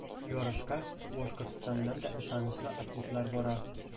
Ярышка Башкортстаннан да ышанычлы атлетлар бара.